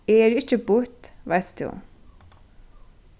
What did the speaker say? eg eri ikki býtt veitst tú